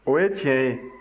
o ye tiɲɛ ye